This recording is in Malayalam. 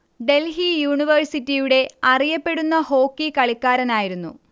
ഡൽഹി യൂണിവേഴ്സിറ്റിയുടെ അറിയപ്പെടുന്ന ഹോക്കി കളിക്കാരനായിരുന്നു